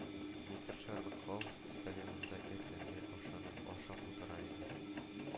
Мистер Шерлок Холмс өстәл янында иртәнге ашны ашап утыра иде